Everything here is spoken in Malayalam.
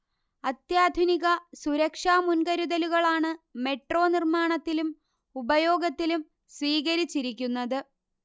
അത്യാധുനിക സുരക്ഷാ മുൻകരുതലുകളാണ് മെട്രോ നിർമ്മാണത്തിലും ഉപയോഗത്തിലും സ്വീകരിച്ചിരിക്കുന്നത്